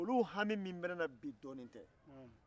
olu hami min bɛ ne na bi dɔɔni tɛ